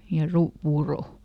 ja - puuroa